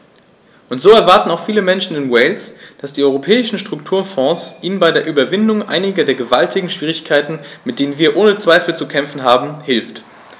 Und so erwarten auch viele Menschen in Wales, dass die Europäischen Strukturfonds ihnen bei der Überwindung einiger der gewaltigen Schwierigkeiten, mit denen wir ohne Zweifel zu kämpfen haben, hilft.